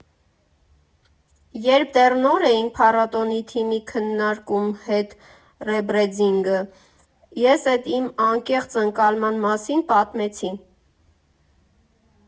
Երբ դեռ նոր էինք փառատոնի թիմի քննարկում հետ ռեբրենդինգը, ես էդ իմ անկեղծ ընկալման մասին պատմեցի։